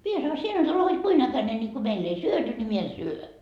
minä sanoin sinä nyt olet hod kuinka äkäinen niin kun meillä ei syöty niin minä en syö